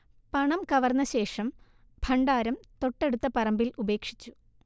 പണം കവർന്നശേഷം ഭണ്ഡാരം തൊട്ടടുത്ത പറമ്പിൽ ഉപേക്ഷിച്ചു